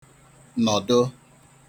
nọ̀do